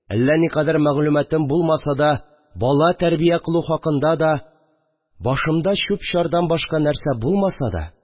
Әллә никадәр мәгълүматым булмаса да, бала тәрбия кылу хакында да башымда чүп-чардан башка нәрсә булмаса да